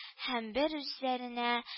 Һәм бер үзләренә